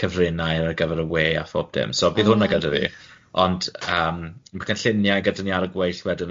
cyfrinair ar gyfer y wê a phob dim so bydd hwnne gyda fi ond yym cynlluniau gydo ni ar y gweill wedyn ar gyfer